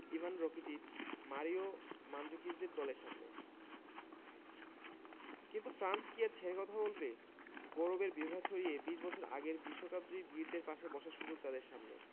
Ivan Rakitic Mario মান্দজুকিচদের দলের সামনে কিন্তু ফ্রান্স কি আর ছেড়ে কথা বলবে গৌরবের বিভা ছড়িয়ে ২০ বছর আগের বিশ্বকাপজয়ী বীরদের পাশে বসার সুযোগ তাদের সামনে